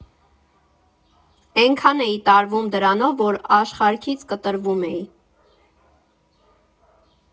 Էնքան էի տարվում դրանով, որ աշխարհքից կտրվում էի։